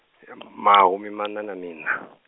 mahumimaṋa na miṋa.